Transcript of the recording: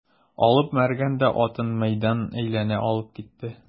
Алып Мәргән дә атын мәйдан әйләнә алып китте.